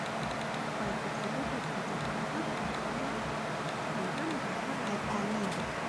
ข้อยก็สิบ่เฮ็ดให้เจ้าของลำบากแหล้วเนาะ ข้อยลำบากมาหลายปานนี้แล้ว